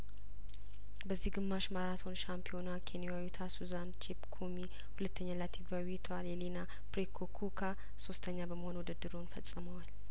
በዚህ ግማሽ ማራቶን ሻምፒዮና ኬንያዊቷ ሱዛን ቼፕኩሚ ሁለተኛ ላቲቪያዊቷ የሌና ፕሪ ኮኩካ ሶስተኛ በመሆን ውድድሩን ፈጽመዋል